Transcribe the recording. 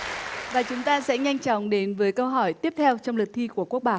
và chúng ta sẽ nhanh chóng đến với câu hỏi tiếp theo trong lượt thi của quốc bảo